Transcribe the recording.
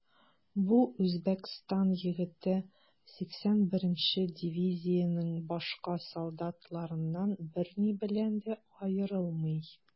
Бу Үзбәкстан егете 81 нче дивизиянең башка солдатларыннан берни белән дә аерылмый.